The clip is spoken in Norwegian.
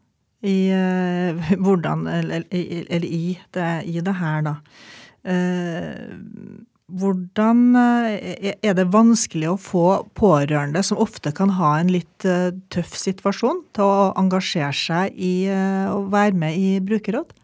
i hvordan eller i eller i det i det her da hvordan er det vanskelig å få pårørende som ofte kan ha en litt tøff situasjon til å engasjere seg i og være med i brukerråd?